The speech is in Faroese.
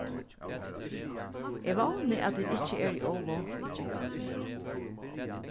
eg vóni at tit ikki eru ov vónsvikin